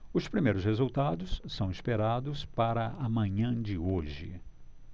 os primeiros resultados são esperados para a manhã de hoje